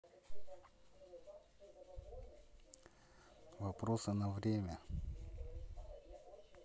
вопросы на время